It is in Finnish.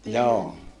joo